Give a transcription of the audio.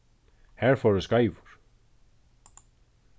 har fór eg skeivur